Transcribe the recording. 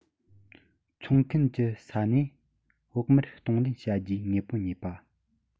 འཚོང མཁན གྱི ས ནས བོགས མར གཏོང ལེན བྱ རྒྱུའི དངོས པོ ཉོས པ